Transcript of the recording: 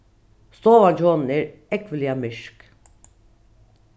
stovan hjá honum er ógvuliga myrk